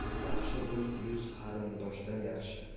yaxshi do'st yuz qarindoshdan yaxshi